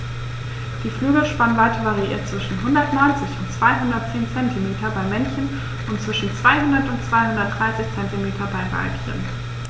Die Flügelspannweite variiert zwischen 190 und 210 cm beim Männchen und zwischen 200 und 230 cm beim Weibchen.